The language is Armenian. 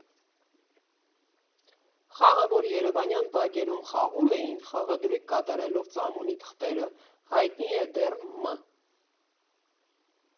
Խաղը, որը երևանյան բակերում խաղում էին՝ խաղադրույք կատարելով ծամոնի թղթերը, հայտնի է դեռ մ.